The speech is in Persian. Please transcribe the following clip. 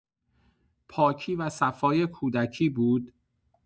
پاکی و صفای کودکی بود؟